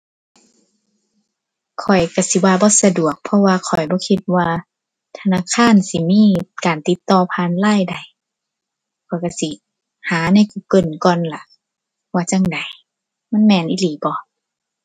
ข้อยก็สิว่าบ่สะดวก เพราะว่าข้อยบ่คิดว่าธนาคารสิมีการติดต่อผ่าน LINE ได้ ข้อยก็สิหาใน Google ก่อนล่ะ ว่าจั่งใด มันแม่นอีหลีบ่